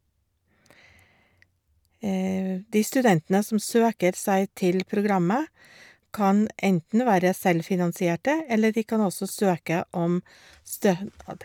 De studentene som søker seg til programmet, kan enten være selvfinansierte, eller de kan også søke om stønad.